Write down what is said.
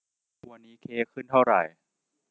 วันนี้เค้กขึ้นเท่าไหร่